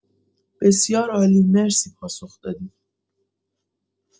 بسیار عالی، مرسی پاسخ دادید!